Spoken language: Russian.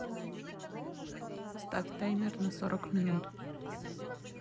поставь таймер на сорок минут